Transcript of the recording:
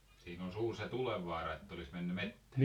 siinä oli suuri se tulenvaara että olisi mennyt metsään